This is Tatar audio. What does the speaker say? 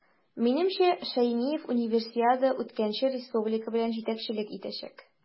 Минемчә, Шәймиев Универсиада үткәнче республика белән җитәкчелек итәчәк.